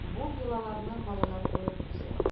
Бу йолаларны балалар күреп үсә.